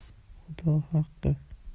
xudo haqqi